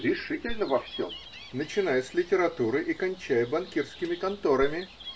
решительно во всем, начиная с литературы и кончая банкирскими конторами.